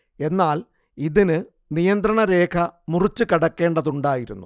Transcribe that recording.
എന്നാൽ ഇതിന് നിയന്ത്രണരേഖ മുറിച്ചു കടക്കേണ്ടതുണ്ടായിരുന്നു